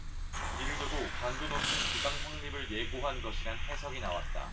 이를 두고 강도 높은 기강 확립을 예고한 것이란 해석이 나왔다